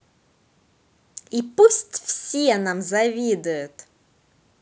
и пусть все нам завидуют